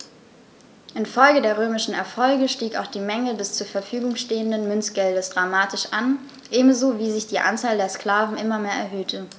Infolge der römischen Erfolge stieg auch die Menge des zur Verfügung stehenden Münzgeldes dramatisch an, ebenso wie sich die Anzahl der Sklaven immer mehr erhöhte.